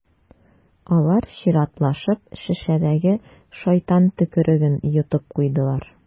Алар чиратлашып шешәдәге «шайтан төкереге»н йотып куйдылар.